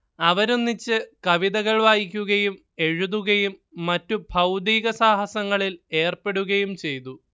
അവരൊന്നിച്ച് കവിതകൾ വായിക്കുകയും എഴുതുകയും മറ്റു ഭൗതീക സാഹസങ്ങളിൽ ഏർപ്പെടുകയും ചെയ്തു